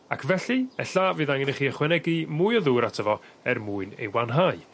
Ac felly e'lla fydd angen i chi ychwanegu mwy o ddŵr ato fo er mwyn ei wanhau.